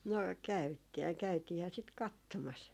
no - käytiinhän sitä katsomassa